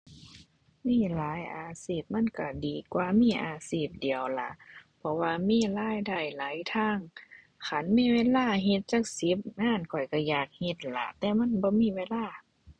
มีหลายอาชีพมันก็ดีกว่ามีอาชีพเดียวล่ะ เพราะว่ามีรายได้หลายทาง คันมีเวลาเฮ็ดจักสิบงาน ข้อยก็อยากเฮ็ดล่ะ แต่มันบ่มีเวลา